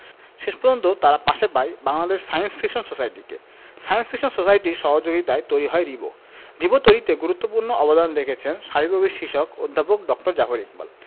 শেষ পর্যন্ত তারা পাশে পায় বাংলাদেশ সায়েন্স ফিকশন সোসাইটিকে সায়েন্স ফিকশন সোসাইটির সহযোগিতায়ই তৈরি হয় রিবো রিবো তৈরিতে গুরুত্বপূর্ণ অবদান রেখেছেন শাবিপ্রবির শিক্ষক অধ্যাপক ড জাফর ইকবাল